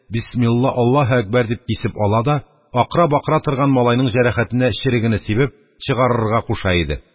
«бисмилла, аллаһе әкбәр!» – дип кисеп ала да, акыра-бакыра торган малайның җәрәхәтенә черегене сибеп, чыгарырга куша иде.